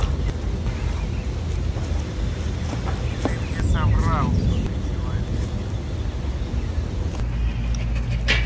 ты мне соврал что ты человек